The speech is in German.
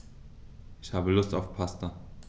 Ich habe Lust auf Pasta.